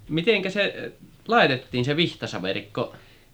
miten se laitettiin se vitsasaverikko